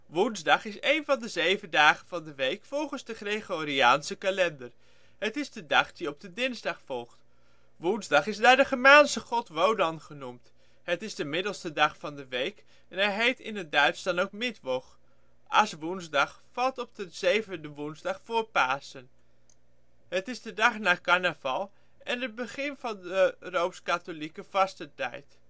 Woensdag is een van de zeven dagen van de week volgens de Gregoriaanse kalender. Het is de dag die op de dinsdag volgt. Woensdag is naar de Germaanse god Wodan genoemd. Het is de middelste dag van de week en hij heet in het Duits dan ook Mittwoch. Aswoensdag valt op de zevende woensdag voor Pasen. Het is de dag na Carnaval en het begin van de rooms-katholieke vastentijd